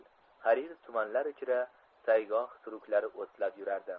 harir tumanlar ichra sayg'oq suruklari o'tlab yurardi